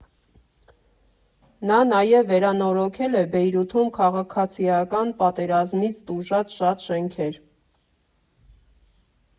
Նա նաև վերանորոգել է Բեյրութում քաղաքացիական պատերազմից տուժած շատ շենքեր։